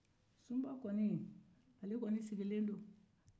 sunba kɔni sigilen don